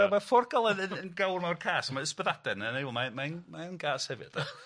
Wel ma' Fforgol yn yn yn gawr mawr cas a ma' Ysbyddaden ynny yw mae mae'n mae'n gas hefyd de.